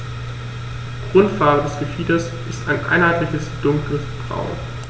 Grundfarbe des Gefieders ist ein einheitliches dunkles Braun.